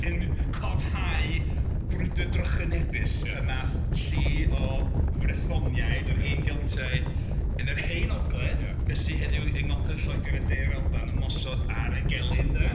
Yn cofhau brwydr drychinebus... ie. ...pan wnaeth llu o frythoniaid... ia. ...yr hen Geltiaid yn yr Hen Ogledd... ia. ...be sy heddiw yng Ngogledd Lloegr a De'r Alban ymosod ar y gelyn de.